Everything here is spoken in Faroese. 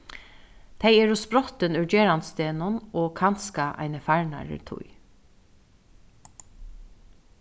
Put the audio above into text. tey eru sprottin úr gerandisdegnum og kanska eini farnari tíð